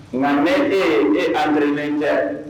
Nka bɛ ee e a berelen dɛ